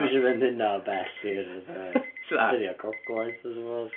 Dwi isio fynd hynna o bell i'r fatha... Na. gogledd I suppose.